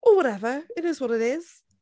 Oh, whatever, it is what it is.